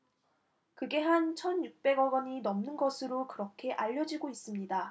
그게 한 천 육백 억 원이 넘는 것으로 그렇게 알려지고 있습니다